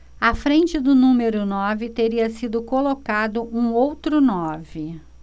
à frente do número nove teria sido colocado um outro nove